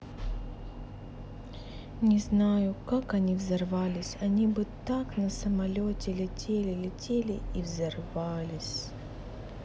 не знаю как они взорвались они бы так на самолете летели летели и взорвались